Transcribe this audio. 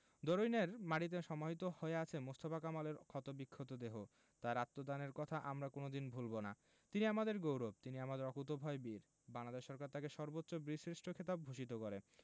দরুইনের মাটিতে সমাহিত হয়ে আছে মোস্তফা কামালের ক্ষতবিক্ষত দেহ তাঁর আত্মদানের কথা আমরা কোনো দিন ভুলব না তিনি আমাদের গৌরব তিনি আমাদের অকুতোভয় বীর বাংলাদেশ সরকার তাঁকে সর্বোচ্চ বীরশ্রেষ্ঠ খেতাবে ভূষিত করে